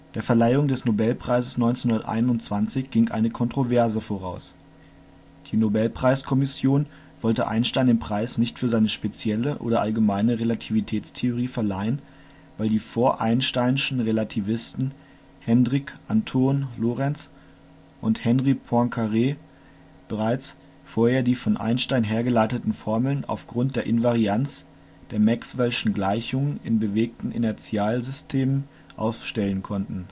Der Verleihung des Nobelpreises 1921 ging eine Kontroverse voraus: Die Nobelpreiskommission wollte Einstein den Preis nicht für seine spezielle oder allgemeine Relativitätstheorie verleihen, weil die " vor-einsteinschen " Relativisten Hendrik Antoon Lorentz und Henri Poincaré bereits vorher die von Einstein hergeleiteten Formeln aufgrund der Invarianz der maxwellschen Gleichungen in bewegten Inertialsystemen aufstellen konnten